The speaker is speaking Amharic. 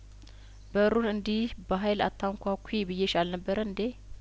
በሩን እንዲህ በሀይል አታንኳኲ ብዬሽ አልነበር እንዴ